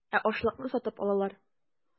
Ә ашлыкны сатып алалар.